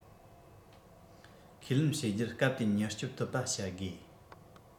ཁས ལེན བྱེད རྒྱུར སྐབས དེའི མྱུར སྐྱོབ ཐུབ པ བྱེད དགོས